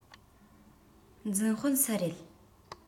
འཛིན དཔོན སུ རེད